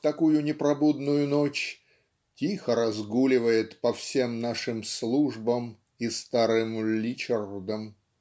в такую непробудную ночь "тихо разгуливает по всем нашим службам и старым "личардам"